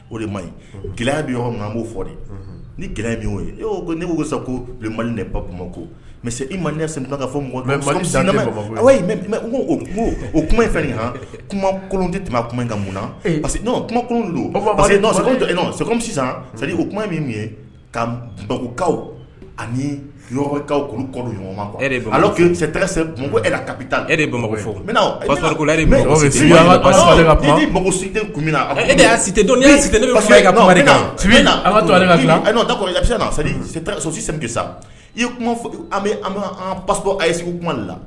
O de ma ɲi gɛlɛya bɛ b'o fɔ de ni gɛlɛya min' ye ne ko sa ko ba ko mɛ ma ka fɔ o kuma in fɛnkolon tɛ tɛmɛ kuma min ka mun na parce kuma don parce que o kuma min ye kakaw anikaw ɲɔgɔn taa e n si bɛ e' si si sɔ sa i kuma bɛ ba a ye segu kuma la